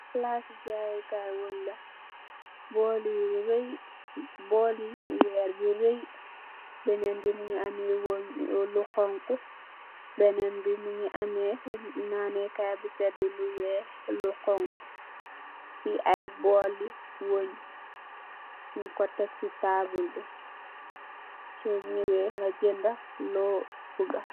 Plasi jei yeh kaiwong yei bowl la. Bowl le werr you reng la. Benen bi mu nge ameh lu honha, benen bi munge ameh naneh kai bu sede lu wey bowl le wong nguko teksi table bu wey so ngo way nag gender lugabuga.